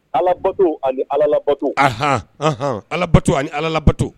Alabato ani alato alato ani ala bato